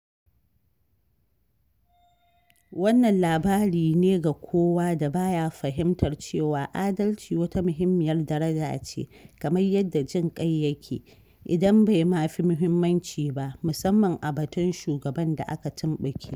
Wannan labari ne ga kowa da ba ya fahimtar cewa adalci wata muhimmiyar daraja ce, kamar yadda jinƙai yake — idan bai ma fi muhimmanci ba, musamman a batun shugaban da aka tumɓuke.